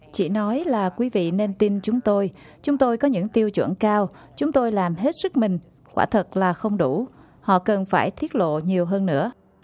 chị nói là quý vị nên tin chúng tôi chúng tôi có những tiêu chuẩn cao chúng tôi làm hết sức mình quả thật là không đủ họ cần phải tiết lộ nhiều hơn nữa